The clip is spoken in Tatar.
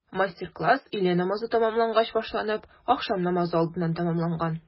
Мастер-класс өйлә намазы тәмамлангач башланып, ахшам намазы алдыннан тәмамланган.